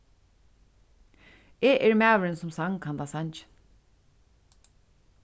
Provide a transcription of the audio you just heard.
eg eri maðurin sum sang handan sangin